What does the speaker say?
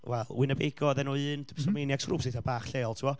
Wel, Winabego oedd enw un, grwps eitha bach lleol, tibod